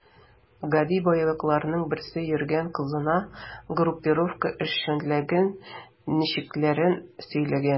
Гади боевикларның берсе йөргән кызына группировка эшчәнлегенең нечкәлекләрен сөйләгән.